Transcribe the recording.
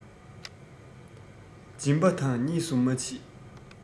སྦྱིན པ དང གཉིས སུ མ མཆིས